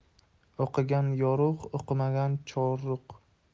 o'qigan yorug' o'qimagan choriq